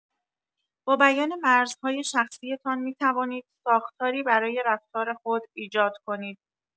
با بیان مرزهای شخصی‌تان می‌توانید ساختاری برای رفتار خود ایجاد کنید.